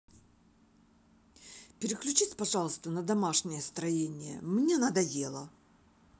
переключись пожалуйста на домашнее строение мне надоело